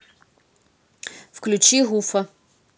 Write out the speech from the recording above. включи гуфа